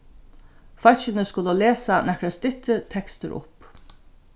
fólkini skulu lesa nakrar styttri tekstir upp